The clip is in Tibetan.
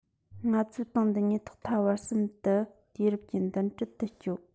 ང ཚོའི ཏང འདི ཉིད ཐོག མཐའ བར གསུམ དུ དུས རབས ཀྱི མདུན གྲལ དུ བསྐྱོད